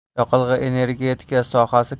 yoqilg'i energetika sohasi